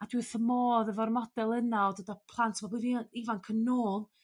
a dwi wth fy modd efo'r model yna o dod a plant ifanc yn ôl